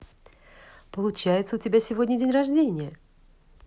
получается у тебя сегодня день рождения